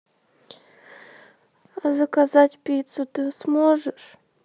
а заказать пиццу ты сможешь